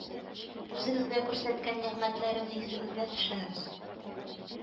Үзегезгә күрсәткән нигъмәтләремне исегезгә төшерегез